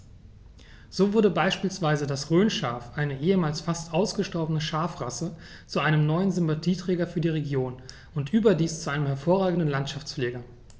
So wurde beispielsweise das Rhönschaf, eine ehemals fast ausgestorbene Schafrasse, zu einem neuen Sympathieträger für die Region – und überdies zu einem hervorragenden Landschaftspfleger.